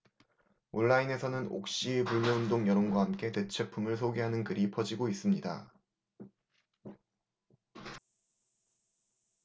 온라인에서는 옥시 불매운동 여론과 함께 대체품을 소개하는 글이 퍼지고 있습니다